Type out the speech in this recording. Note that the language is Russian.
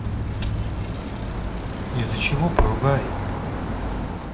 из за чего поругай